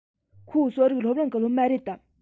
ཁོ གསོ རིག སློབ གླིང གི སློབ མ རེད དམ